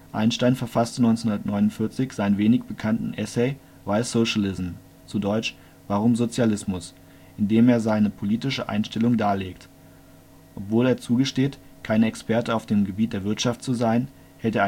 Einstein verfasste 1949 seinen wenig bekannten Essay Why Socialism? (Warum Sozialismus), in dem er seine politische Einstellung darlegt: Obwohl er zugesteht, kein Experte auf dem Gebiet der Wirtschaft zu sein, hält